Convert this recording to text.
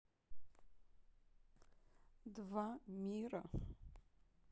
два мира